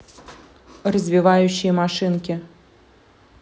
развивающие машинки